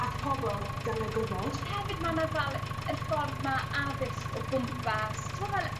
at pobol dyle gwbod. Hefyd ma' 'na fel yy yr ffordd 'ma addysg o gwmpas t'mo' fel